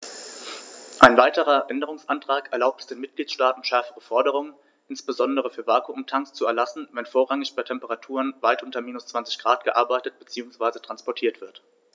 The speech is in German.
Ein weiterer Änderungsantrag erlaubt es den Mitgliedstaaten, schärfere Forderungen, insbesondere für Vakuumtanks, zu erlassen, wenn vorrangig bei Temperaturen weit unter minus 20º C gearbeitet bzw. transportiert wird.